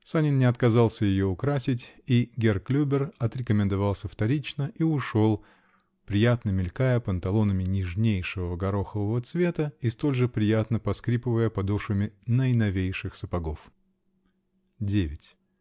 Санин не отказался ее украсить -- и герр Клюбер отрекомендовался вторично и ушел, приятно мелькая панталонами нежнейшего горохового цвета и столь же приятно поскрипывая подошвами наиновейших сапогов. Девять.